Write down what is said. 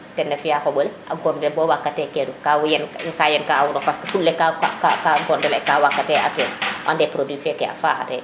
tena fiya xoɓole a goble bo waag kate genu ka yen ka a wonu parce que fuɗ le ka ka waag kate a keen ande produit feke faaxa te